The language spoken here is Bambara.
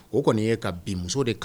O kɔni ye ka bin muso de kan